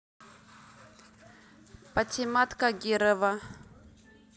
патимат кагирова